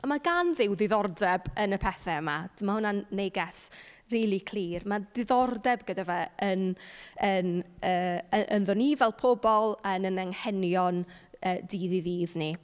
A ma' gan Dduw ddiddordeb yn y pethau yma. Mae hwnna'n neges rili clir. Ma' diddordeb gyda fe yn yn yy y- ynddo ni fel pobl, yn ein anghenion yy dydd i ddydd ni.